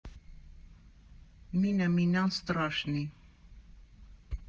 Մինը մինան ստռաշնի։